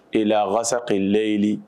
Ayiwa walasa kalɛelili